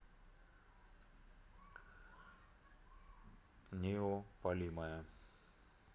неопалимая